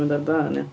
Mynd ar dân ia.